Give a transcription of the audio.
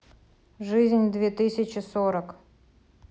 жизнь две тысячи сорок